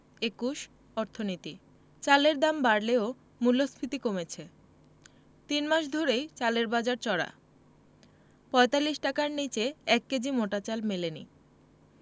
২১ অর্থনীতি চালের দাম বাড়লেও মূল্যস্ফীতি কমেছে তিন মাস ধরেই চালের বাজার চড়া ৪৫ টাকার নিচে ১ কেজি মোটা চাল মেলেনি